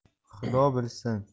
xudo bilsin